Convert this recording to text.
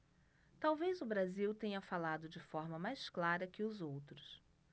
talvez o brasil tenha falado de forma mais clara que os outros